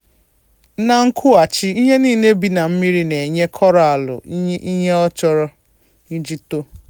Na nkwughachị, ihe nille bị na mmiri na-enye Koraalụ ike ọ chọrọ iji to, mana nnukwu mgbanwe n'okpomọọkụ mmiri nwere ike ịbụ ihe ize ndụ nye mmekọrịta a.